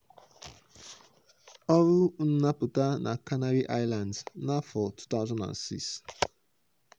Ọrụ nnapụta na Canary Islands n'afọ 2006.